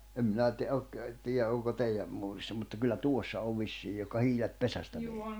en minä - ole tiedä onko teidän muurissa mutta kyllä tuossa on vissiin johon hiilet pesästä -